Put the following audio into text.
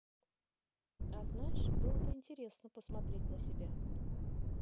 а знаешь было бы интересно посмотреть на себя